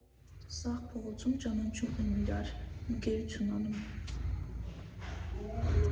Սաղ փողոցը ճանաչում ա իրար, ընկերություն անում։